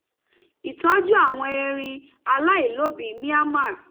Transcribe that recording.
Ìtọ́jú àwọn erin aláìlóbìíi Myanmar